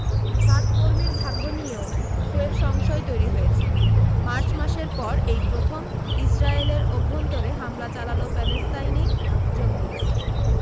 সাত কর্মীর ভাগ্য নিয়েও ফের সংশয় তৈরী হয়েছে মার্চ মাসের পর এই প্রথম ইজরায়েলের অভ্যন্তরে হামলা চালাল প্যালেস্তাইনি জঙ্গিরা